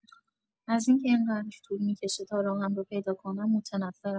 از اینکه این‌قدر طول می‌کشه تا راهم رو پیدا کنم، متنفرم.